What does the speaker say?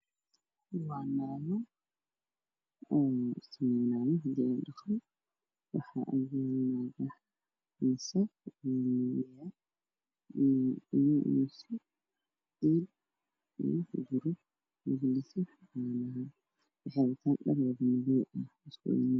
Waa naago meel fadhiya waxaa ag yaalla dheel farabadan waxay wataan dhar madow cadaadis ayaa ka dambeeyo